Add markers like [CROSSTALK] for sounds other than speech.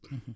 [HESITATION] [HESITATION]